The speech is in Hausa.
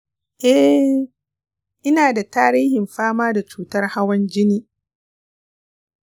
eh, ina da tarihin fama da cutar hawan jini